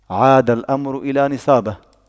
عاد الأمر إلى نصابه